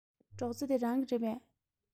སྒྲོག རྩེ འདི རང གི རེད པས